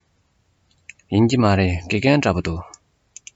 ཡིན གྱི མ རེད དགེ རྒན འདྲ པོ འདུག